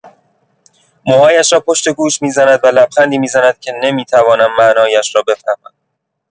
موهایش را پشت گوش می‌زند و لبخندی می‌زند که نمی‌توانم معنایش را بفهمم.